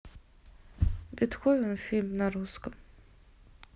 бетховен фильм на русском